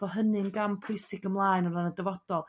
Bo hynny'n gam pwysig ymlaen efo yn y dyfodol.